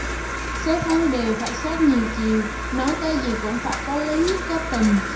xét vấn đề phải xét nhiều chiều nói cái gì cũng phải có lý có tình